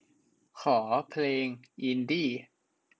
ขอเพลงอินดี้